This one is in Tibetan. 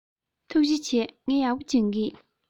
ཐུགས རྗེ ཆེ ངས ཡག པོ སྦྱོང གི ཡིན